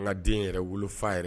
An ka den yɛrɛ wolo' yɛrɛ